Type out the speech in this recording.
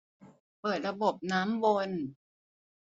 เปิดระบบน้ำวน